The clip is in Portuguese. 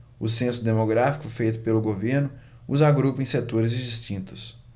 o censo demográfico feito pelo governo os agrupa em setores distintos